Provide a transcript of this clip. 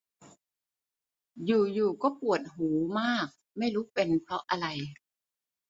อยู่อยู่ก็ปวดหูมากไม่รู้เป็นเพราะอะไร